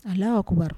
Ala' ku